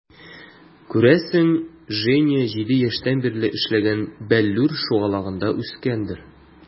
Күрәсең, Женя 7 яшьтән бирле эшләгән "Бәллүр" шугалагында үскәндер.